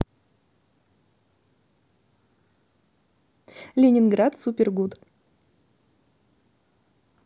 leningrad super good